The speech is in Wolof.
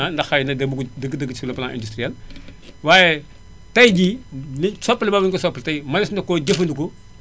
ah ndax xay na demaguñu dëgg dëgg sur le plan industriel waaye tay jii li soppali boobu ñu ko soppali tay mënees na ko jëfandiku